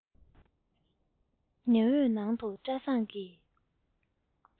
ཉི འོད ནང དུ བཀྲ བཟང གིས